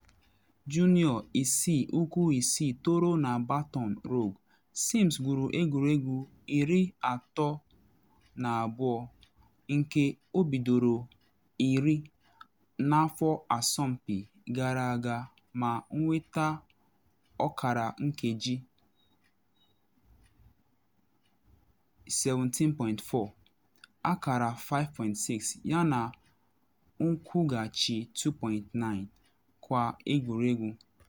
Junịọ 6-ụkwụ-6 toro na Baton Rouge, Sims gwuru egwuregwu 32 nke o bidoro 10 n’afọ asọmpi gara aga ma nweta ọkara nkeji 17.4, akara 5.6 yana nkụghachi 2.9 kwa egwuregwu.